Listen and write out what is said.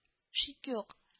Шик юк: